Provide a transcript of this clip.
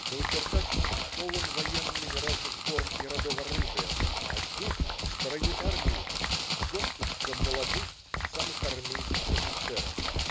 Новочеркасск полон военными разных форм и родов оружия, а здесь, в строю армии,- горсточка молодых, самых армейских офицеров.